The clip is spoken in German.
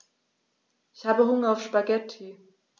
Ich habe Hunger auf Spaghetti.